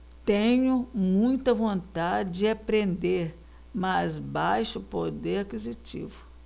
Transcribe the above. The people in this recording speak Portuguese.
tenho muita vontade de aprender mas baixo poder aquisitivo